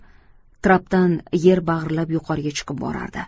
trapdan yer bag'irlab yuqoriga chiqib borardi